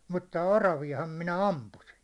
mutta oraviahan minä ammuin